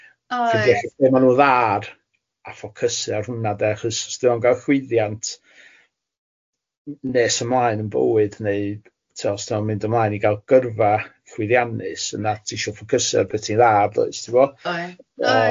reit. Be ma nhw'n dda ar a ffocysu ar hwnna de achos os dyw o'n gael llwyddiant nes ymlaen yn bywyd neu tibod os dyw o'n mynd ymlaen i gael gyrfa llwydiannus yna ti isio ffocysu ar beth ti'n dda ar does tibod... oe-, oe-.